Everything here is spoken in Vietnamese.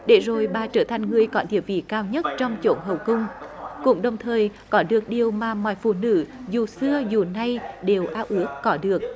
để rồi bà trở thành người có địa vị cao nhất trong chốn hậu cung cũng đồng thời có được điều mà mọi phụ nữ dù xưa dù nay đều ao ước có được